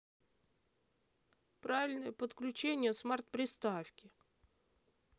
правильное подключение смарт приставки